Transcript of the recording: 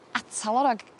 atal o rag